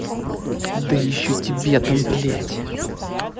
да еще тебе там блять